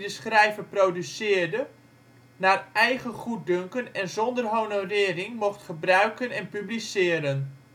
schrijver produceerde naar eigen goeddunken en zonder honorering mocht gebruiken en publiceren